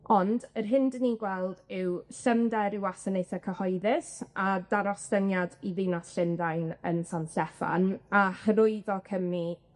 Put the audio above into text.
Ond yr hyn 'dyn ni'n gweld yw llymder i wasanaethe cyhoeddus a darostyngiad i ddinas Llundain yn San Steffan, a hyrwyddo cwmni